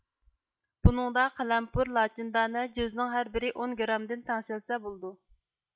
بۇنىڭدا قەلەمپۇر لاچىندانە جۆزنىڭ ھەربىرى ئون گرامدىن تەڭشەلسە بولىدۇ